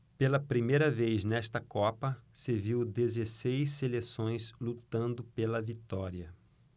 pela primeira vez nesta copa se viu dezesseis seleções lutando pela vitória